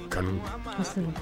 Kanumi